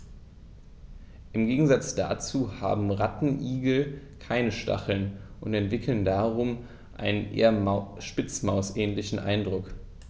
Im Gegensatz dazu haben Rattenigel keine Stacheln und erwecken darum einen eher Spitzmaus-ähnlichen Eindruck.